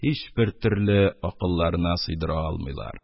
Һичбер төрле акылларына сыйдыра алмыйлар.